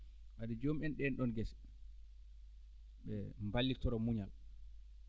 kadi joomum en ɗeen ɗon ngese ɓe mballitoroo muñal